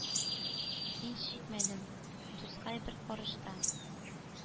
Мин чикмәдем, дускай, бер карыш та,